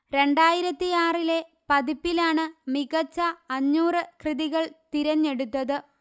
രണ്ടായിരത്തിയാറിലെ പതിപ്പിലാണ് മികച്ച അഞ്ഞൂറ് കൃതികൾ തിരഞ്ഞെടുത്ത്